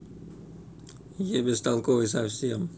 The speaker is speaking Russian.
я бестолковый совсем